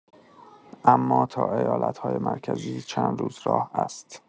اما تا ایالت‌های مرکزی چند روز راه است.